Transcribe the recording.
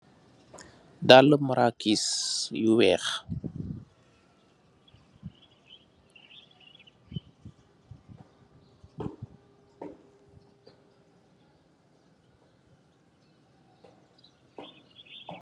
Dalle marakiss yu weex